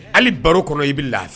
Hali baro kɔrɔ i bɛ la